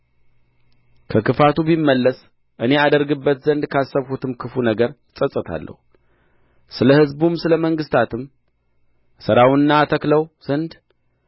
ከክፋቱ ቢመለስ እኔ አደርግበት ዘንድ ካሰብሁት ክፉ ነገር እጸጸታለሁ ስለ ሕዝቡም ስለ መንግሥትም እሠራውና እተክለው ዘንድ